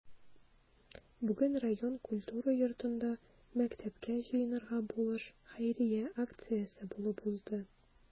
Бүген район культура йортында “Мәктәпкә җыенырга булыш” хәйрия акциясе булып узды.